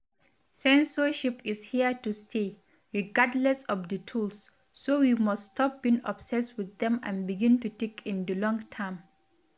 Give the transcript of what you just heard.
“Censorship is here to stay, regardless of the tools, so we must stop being obsessed with them and begin to think in the long term.”